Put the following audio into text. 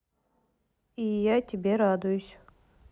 и я тебе радуюсь